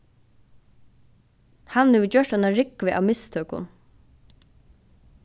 hann hevur gjørt eina rúgvu av mistøkum